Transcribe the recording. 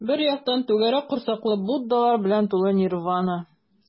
Бер яктан - түгәрәк корсаклы буддалар белән тулы нирвана.